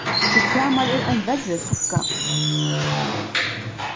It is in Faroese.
títt kamar er ein verri sugga